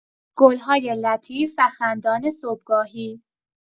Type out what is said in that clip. گل‌های لطیف و خندان صبحگاهی